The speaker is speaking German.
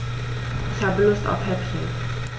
Ich habe Lust auf Häppchen.